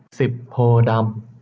สิบโพธิ์ดำ